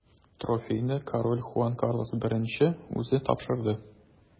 Трофейны король Хуан Карлос I үзе тапшырды.